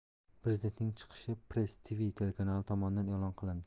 prezidentning chiqishi press tv telekanali tomonidan e'lon qilindi